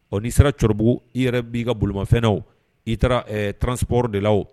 Ɔ n'i sera cɛkɔrɔbabugu i yɛrɛ b'i ka bolomafɛnnaw i taara tso de la